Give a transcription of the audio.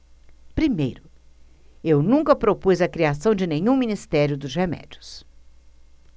primeiro eu nunca propus a criação de nenhum ministério dos remédios